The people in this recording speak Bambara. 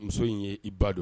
Muso in ye i ba don